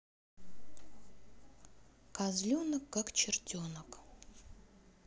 козленок как чертенок